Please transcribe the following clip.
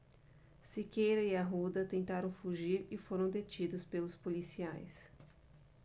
siqueira e arruda tentaram fugir e foram detidos pelos policiais